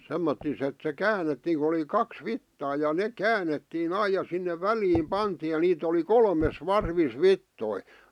semmottoon että se käännettiin kun oli kaksi vitsaa ja ne käännettiin aina ja sinne väliin pantiin ja niitä oli kolmessa varvissa vitsoja